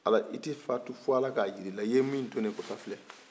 i t'i fatu fo ala ka yir'i la i ye min to ne ko son a filɛ